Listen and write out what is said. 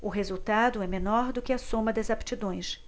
o resultado é menor do que a soma das aptidões